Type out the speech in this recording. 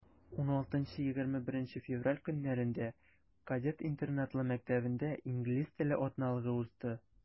16-21 февраль көннәрендә кадет интернатлы мәктәбендә инглиз теле атналыгы узды.